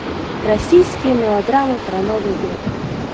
российские мелодрамы про новый год